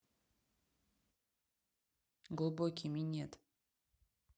глубокий минет